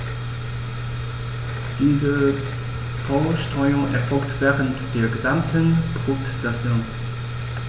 Diese Polsterung erfolgt während der gesamten Brutsaison.